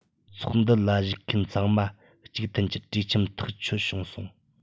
ཚོགས འདུ ལ གཞུག མཁན ཚང མ གཅིག མཐུན གྱི གྲོས འཆམས ཐག ཆོད བྱུང སོང